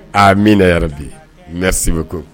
Aamina ya rabi, merci beaucoup